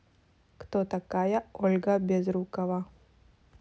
кто такая ольга безрукова